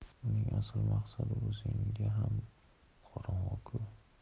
uning asl maqsadi o'zingizga ham qorong'i ku